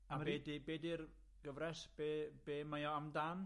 A be' 'di be' 'di'r gyfres be' be' mae o am dan?